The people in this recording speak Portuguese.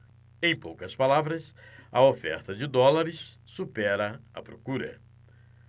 em poucas palavras a oferta de dólares supera a procura